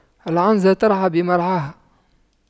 العنزة ترعى بمرعاها